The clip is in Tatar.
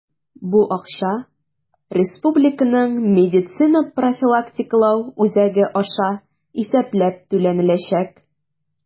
Бу акча Республиканың медицина профилактикалау үзәге аша исәпләп түләнеләчәк.